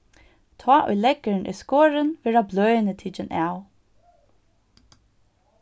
tá ið leggurin er skorin verða bløðini tikin av